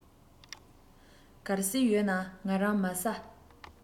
གལ སྲིད ཡོད ན ང རང མལ ས